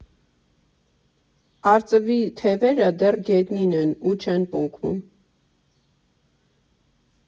Արծվի թևերը դեռ գետնին են ու չեն պոկվում։